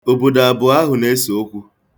Obodo abụọ ahụ na-ese okwu.